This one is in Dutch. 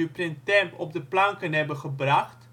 Printemps op de planken hebben gebracht